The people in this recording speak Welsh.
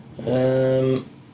Yym...